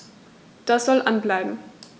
Das soll an bleiben.